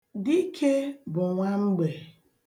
Dike bụ nwamgbe.